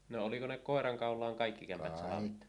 no oliko ne koirankaulan kaikki kämpät salvettu